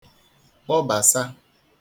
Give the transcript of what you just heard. kpọbasa